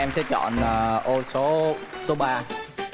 em sẽ chọn là ô số số ba